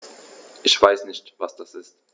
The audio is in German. Ich weiß nicht, was das ist.